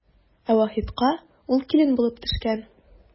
Ә Вахитка ул килен булып төшкән.